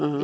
hum